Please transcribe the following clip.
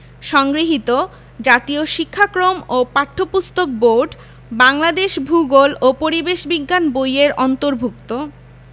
সংগৃহীত জাতীয় শিক্ষাক্রম ও পাঠ্যপুস্তক বোর্ড বাংলাদেশ ভূগোল ও পরিবেশ বিজ্ঞান বই এর অন্তর্ভুক্ত